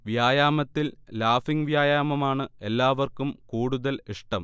വ്യായാമത്തിൽ ലാഫിങ് വ്യായാമമാണ് എല്ലാവർക്കും കൂടുതൽ ഇഷ്ടം